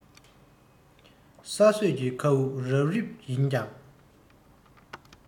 ས སྲོད ཀྱི མཁའ དབུགས རབ རིབ ཡིན ཀྱང